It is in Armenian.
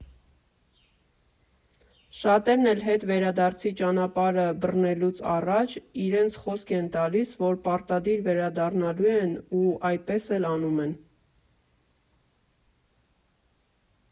Շատերն էլ հետ վերադարձի ճանապարհը բռնելուց առաջ իրենց խոսք են տալիս, որ պարտադիր վերադառնալու են ու այդպես էլ անում են։